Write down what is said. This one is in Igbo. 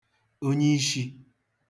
onyiishī